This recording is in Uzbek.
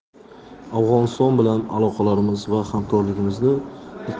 afg'oniston bilan aloqalarimiz va hamkorligimizni ikki